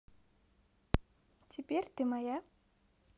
теперь ты моя